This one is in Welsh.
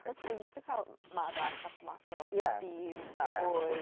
Achos dwi'n dwi'n cael madarch a tomatos... Ie... a beans... Ie... a wy.